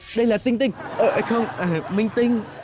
đây là tinh tinh ây không ờ minh tinh